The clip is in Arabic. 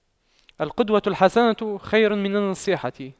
القدوة الحسنة خير من النصيحة